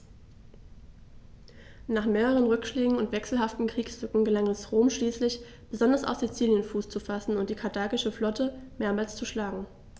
Nach mehreren Rückschlägen und wechselhaftem Kriegsglück gelang es Rom schließlich, besonders auf Sizilien Fuß zu fassen und die karthagische Flotte mehrmals zu schlagen.